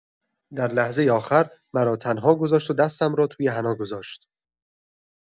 در لحظه آخر مرا تنها گذاشت و دستم را توی حنا گذاشت.